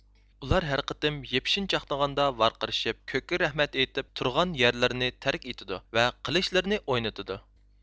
ئۇلار ھەر قىتىم يىپشېن چاقنىغاندا ۋارقىرىشىپ كۆككە رەھمەت ئىيتىپ تۇرغان يەرلىرىنى تەرك ئىتىدۇ ۋە قىلىچلىرىنى ئوينىتىدۇ